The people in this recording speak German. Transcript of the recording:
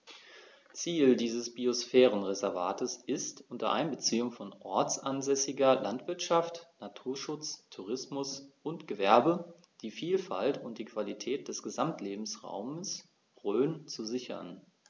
Ziel dieses Biosphärenreservates ist, unter Einbeziehung von ortsansässiger Landwirtschaft, Naturschutz, Tourismus und Gewerbe die Vielfalt und die Qualität des Gesamtlebensraumes Rhön zu sichern.